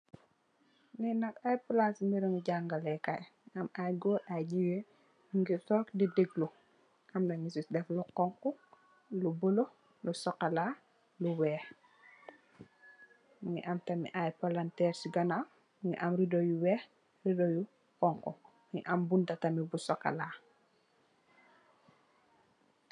Lii nak aiiy plassu mbirum jaangah leh kaii la, am aiiy gorre aiiy gigain njungy tok dii deglu, amna nju cii deff lu khonku, lu bleu, lu chocolat, lu wekh, mungy am tamit aiiy palanterre cii ganaw, mungy am ridoh yu wekh, ridoh yu honhu, mungy am tamit bunta bu chocolat.